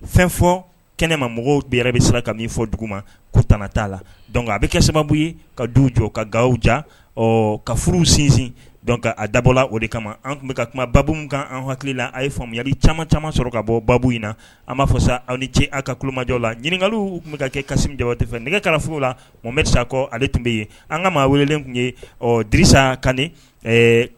Fɛn fɔ kɛnɛma mɔgɔw bɛɛ siran ka fɔ dugu ma kuru t'a la a bɛ kɛ sababu ye ka du jɔ ka ga jan ka furu sinsin a dabɔla o de kama an tun bɛ ka kumaba kan an hakili la a ye faamuyaya bɛ caman caman sɔrɔ ka bɔ baa in na an b'a fɔ sa aw ni ce an ka kumajɔ la ɲininkaka tun bɛ ka kɛ kasi jawo tɛ fɛ nɛgɛ kala furu la o sa kɔ ale tun bɛ yen an ka maa wele tun ye disa kan